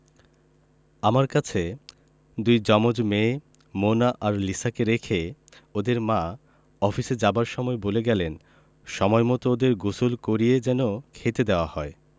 আমার কাছে দুই জমজ মেয়ে মোনা আর লিসাকে রেখে ওদের মা অফিসে যাবার সময় বলে গেলেন সময়মত ওদের গোসল করিয়ে যেন খেতে দেওয়া হয়